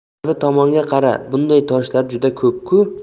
anavi tomonga qara bunday toshlar juda ko'p ku